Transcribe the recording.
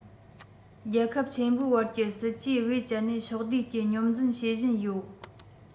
རྒྱལ ཁབ ཆེན པོའི བར གྱི སྲིད ཇུས བེད སྤྱོད ནས ཕྱོགས བསྡུས ཀྱི སྙོམས འཛིན བྱེད བཞིན ཡོད